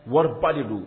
Wariba de do